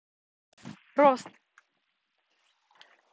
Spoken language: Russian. рост